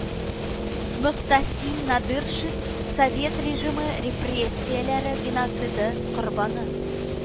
Мөгътәсим Надыршин Совет режимы репрессияләре геноциды корбаны